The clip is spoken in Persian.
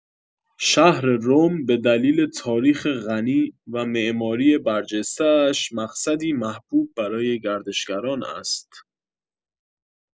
شهر رم به دلیل تاریخ غنی و معماری برجسته‌اش، مقصدی محبوب برای گردشگران است.